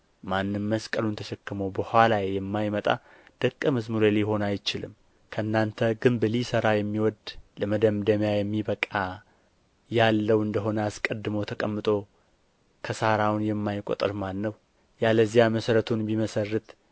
ማንም መስቀሉን ተሸክሞ በኋላዬ የማይመጣ ደቀ መዝሙሬ ሊሆን አይችልም ከእናንተ ግንብ ሊሠራ የሚወድ ለመደምደሚያ የሚበቃ ያለው እንደ ሆነ አስቀድሞ ተቀምጦ ከሳራውን የማይቈጥር ማን ነው ያለዚያ መሠረቱን ቢመሠርት